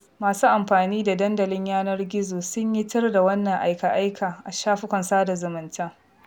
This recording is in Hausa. Masu amfani da dandalin yanar gizo sun yi tir da wannan aika-aika a shafukan sada zumunta.